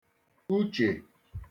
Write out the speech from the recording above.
uche